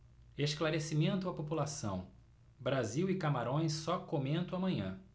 esclarecimento à população brasil e camarões só comento amanhã